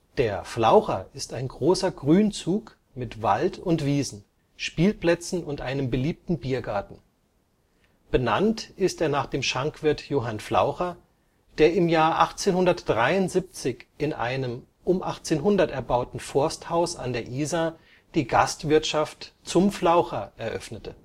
Der Flaucher ist ein großer Grünzug mit Wald und Wiesen, Spielplätzen und einem beliebten Biergarten. Benannt ist er nach dem Schankwirt Johann Flaucher, der 1873 in einem um 1800 erbauten Forsthaus an der Isar die Gastwirtschaft Zum Flaucher eröffnete